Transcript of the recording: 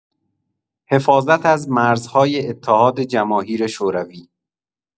حفاظت از مرزهای اتحاد جماهیر شوروی